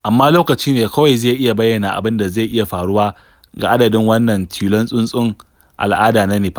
Amma lokaci ne kawai zai iya bayyana abin da zai iya faruwa ga adadin wannan tilon tsuntsun al'ada na Nepal.